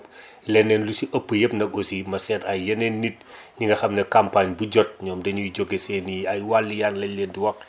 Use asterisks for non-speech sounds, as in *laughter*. *breath* leneen lu si ëpp yëpp nag aussi ma seet ay yeneen nit *inhales* ñi nga xam ne campagne bu jot ñoom dañuy jóge seen i ay wàlliyaan lañ leen di wax